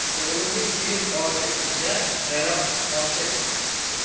o'g'limning suyuq oshi ichida qayroq toshi